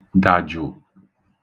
dàjụ̀